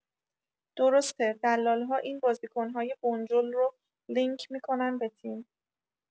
درسته دلال‌ها این بازیکن‌های بنجل رو لینک می‌کنن به تیم